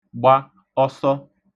gba ọsọ